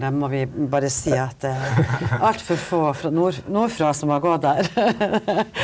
dem må vi bare si at altfor få fra nord nordfra som har gått der .